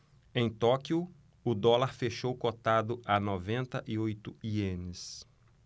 em tóquio o dólar fechou cotado a noventa e oito ienes